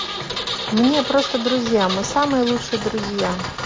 мне просто друзья мы самые лучшие друзья